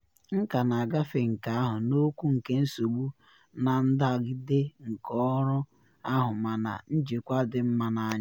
M ka na agafe nke ahụ n’okwu nke nsogbu na ndagide nke ọrụ ahụ mana njikwa dị mma n’anya.